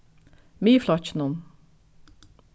miðflokkinum